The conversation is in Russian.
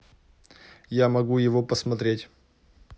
я могу его посмотреть